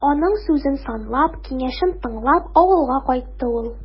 Аның сүзен санлап, киңәшен тыңлап, авылга кайтты ул.